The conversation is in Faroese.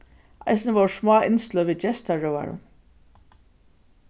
eisini vóru smá innsløg við gestarøðarum